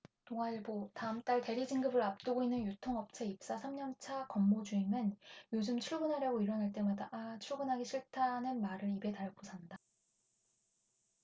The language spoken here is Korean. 동아일보 다음 달 대리 진급을 앞두고 있는 유통업체 입사 삼 년 차 권모 주임은 요즘 출근하려고 일어날 때마다 아 출근하기 싫다는 말을 입에 달고 산다